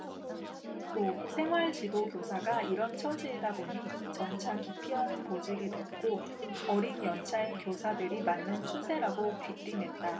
또 생활지도 교사가 이런 처지이다 보니 점차 기피하는 보직이 됐고 어린 연차의 교사들이 맡는 추세라고 귀띔했다